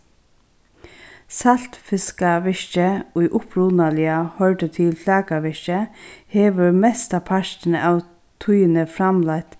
saltfiskavirkið ið upprunaliga hoyrdi til flakavirkið hevur mesta partin av tíðini framleitt